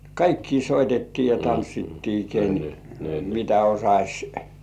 kaikkia soitettiin ja tanssittiin ken mitä osasi soittaa